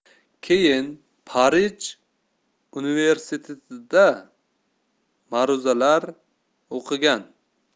keyin parij universitetida ma'ruzalar o'qigan